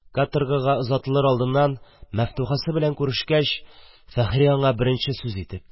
Каторгага озатылыр алдыннан Мәфтухасы белән күрешкәч, Фәхри аңа беренче сүз итеп: